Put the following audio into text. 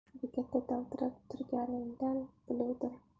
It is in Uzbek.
bekatda dovdirab turganingdan biluvdim